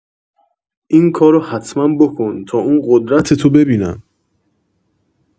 این کارو حتما بکن تا اون قدرتتو ببینم